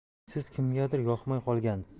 siz kimgadir yoqmay qolgansiz